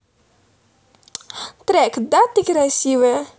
трек да ты красивая